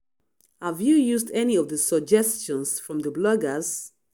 Have you used any of the suggestions from the bloggers?